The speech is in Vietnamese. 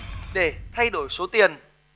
để thay đổi số tiền